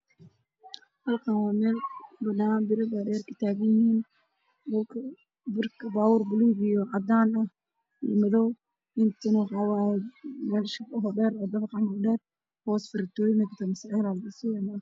Waa meel banaan biro dhaadheer ka taagnyihiin